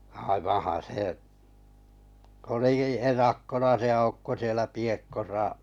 aivanhan se olikin erakkona se Aukko siellä Piekossa